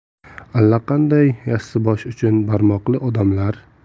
allaqanday yassibosh uch barmoqli odamlar